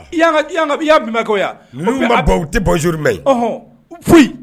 I y'an bi man kɛ o ya? n'u ma ban u tɛ bonjour mɛn yen foyi!